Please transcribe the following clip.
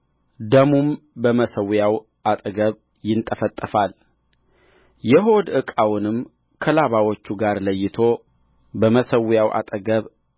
ደሙም በመሠዊያው አጠገብ ይንጠፈጠፋልየሆድ ዕቃውንም ከላባዎች ጋር ለይቶ በመሠዊያው አጠገብ